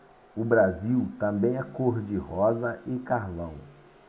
o brasil também é cor de rosa e carvão